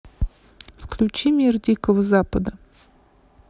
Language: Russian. включи мир дикого запада